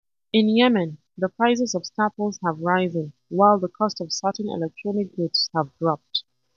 In Yemen, the prices of staples have risen while the cost of certain electronic goods have dropped.